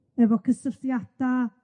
###efo cysylltiada